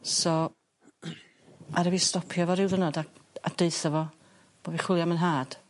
So aru fi stopio fo ryw ddiwrnod ac a deutho fo bo' fi chwilio am 'yn nhad.